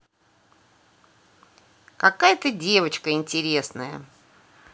какая ты девочка интересная